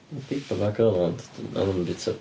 Paperback oedd o, ond oedd o ddim yn bwyta...